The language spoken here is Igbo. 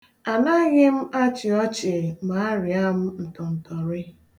Anaghị m achị ọchị ma arịa m ntọntọrị.